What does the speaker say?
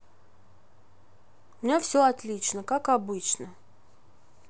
у меня все отлично как обычно